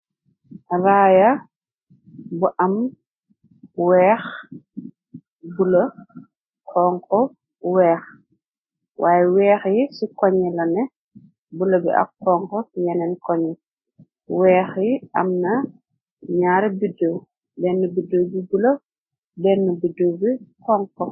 Raaya bu am weex bulo honhu weex. Waye weex yi ci koñi la ne bula bi ak xonko yeneen koni. Weex yi am na ñaar biddew denn biddew bi bu la denn buddeew bi konxo.